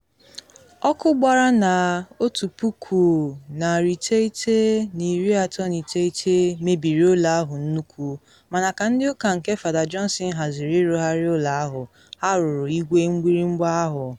Ọkụ gbara na 1939 mebiri ụlọ ahụ nnukwu, mana ka ndị ụka nke Fada Johnson haziri ịrụgharị ụlọ ahụ, ha rụrụ igwe mgbịrịmgba ahụ.